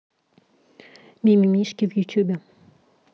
ми ми мишки в ютубе